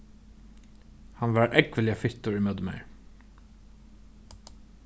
hann var ógvuliga fittur ímóti mær